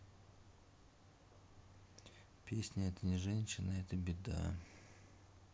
песня это не женщина это беда